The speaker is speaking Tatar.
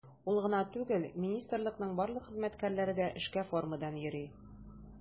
Ул гына түгел, министрлыкның барлык хезмәткәрләре дә эшкә формадан йөри.